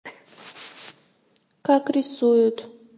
как рисуют